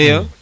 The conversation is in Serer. iyo